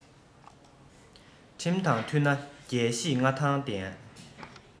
ཁྲིམས དང མཐུན ན རྒྱལ གཞིས མངའ ཐང ལྡན